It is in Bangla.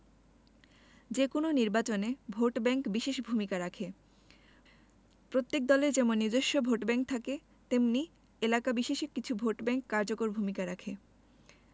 যেকোনো নির্বাচনে ভোটব্যাংক বিশেষ ভূমিকা রাখে প্রত্যেক দলের যেমন নিজস্ব ভোটব্যাংক থাকে তেমনি এলাকা বিশেষে কিছু ভোটব্যাংক কার্যকর ভূমিকা রাখে